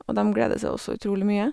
Og dem gleder seg også utrolig mye.